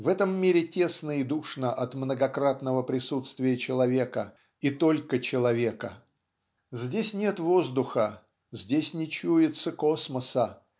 в этом мире тесно и душно от многократного присутствия человека и только человека. Здесь нет воздуха здесь не чуется космоса